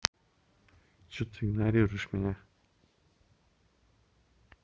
что ты игнорируешь меня дура